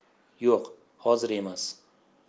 yo'q hozir emas